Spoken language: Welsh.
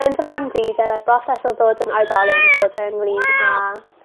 Yn fy farn di dylai'r broses o ddod yn oedolyn fod ynglŷn â